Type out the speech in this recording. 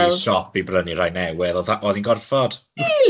Es i i'r siop i brynu rhai newydd, o'dd a- o'n i'n gorffod .